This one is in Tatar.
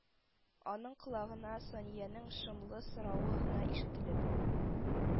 Аның колагына Саниянең шомлы соравы гына ишетелеп